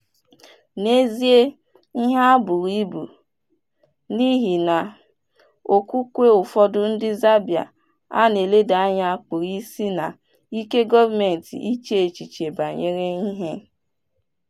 N'ezie, ihe a buru ibu n'ihi na okwukwe ụfọdụ ndị Zambia a na-eleda anya kpuru isi na ike gọọmenti iche echiche banyere ihe.